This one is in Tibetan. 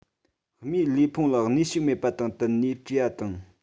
མིའི ལུས ཕུང ལ ནུས ཤུགས མེད པ དང བསྟུན ནས གྱེས པ དང